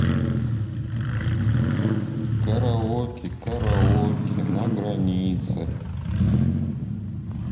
караоке караоке на границе